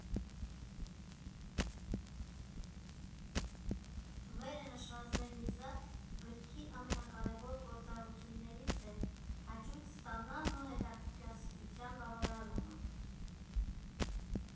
Վերը նշվածներից զատ՝ գրքի ամենակարևոր գործառույթներից է հաճույք ստանալն ու հետաքրքրասիրության բավարարումը։